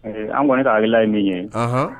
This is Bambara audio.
Ee an kɔni ka hakilina ye nin ye